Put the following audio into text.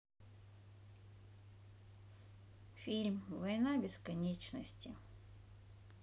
фильм война бесконечности